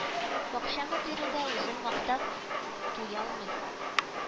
Бакча мөдире дә үзен мактап туя алмый